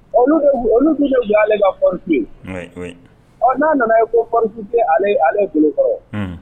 Olu olu' ka p ɔ n'a nana ye ko p tɛ ale ale ye bolokɔrɔ